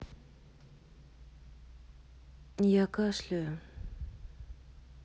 я кашляю